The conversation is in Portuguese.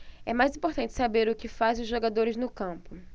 é mais importante saber o que fazem os jogadores no campo